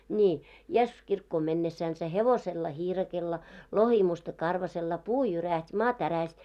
niin Jeesus kirkkoon mennessänsä hevosella hiirakolla lohimusta karvaisella puu jyrähti maa tärähti